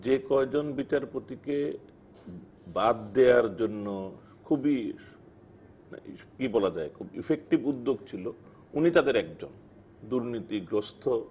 যে কয়জন বিচারপতি কে বাদ দেয়ার জন্য খুবই কি বলা যায় খুব ইফেক্টিভ উদ্যোগ ছিল উনি তাদের একজন দুর্নীতিগ্রস্থ